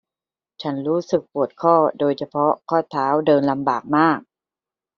ฉันรู้สึกปวดข้อโดยเฉพาะข้อเท้าเดินลำบากมาก